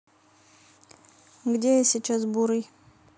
где я сейчас бурый